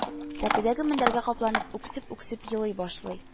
Сәкедәге мендәргә капланып үксеп-үксеп елый башлый